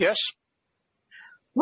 Yes.